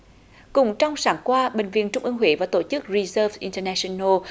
cũng trong sáng qua bệnh viện trung ương huế và tổ chức ri xớt in tơ nây sừn nồ